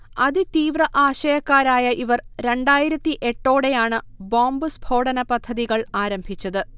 അതി തീവ്ര ആശയക്കാരായ ഇവർ രണ്ടായിരത്തി എട്ടോടെയാണ് ബോംബ് സ്ഫോടനപദ്ധതികൾ ആരംഭിച്ചത്